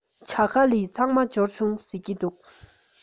ཇ ག ལི ཚང མ འབྱོར བྱུང